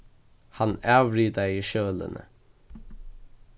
hann avritaði skjølini